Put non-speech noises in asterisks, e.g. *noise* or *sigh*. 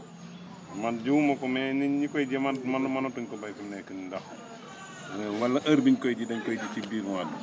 man jiwu ma ko mais nit ñi koy ji mën mënatuñ koo béy fi mu nekk nii ndax *noise* wala heure bi ñu koy ji dañu koy ji ci biir mois d' août